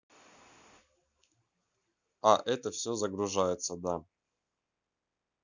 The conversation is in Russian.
а это все загружается да